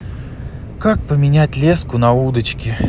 как поменять леску на удочке